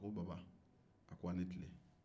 a ko baba a ko a ni tile